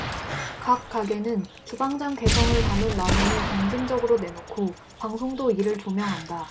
각 가게는 주방장 개성을 담은 라멘을 경쟁적으로 내놓고 방송도 이를 조명한다